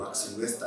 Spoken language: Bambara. Sugu bɛ ta